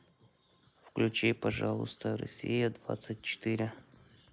включи пожалуйста россия двадцать четыре